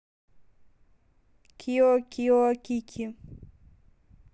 кио кио кики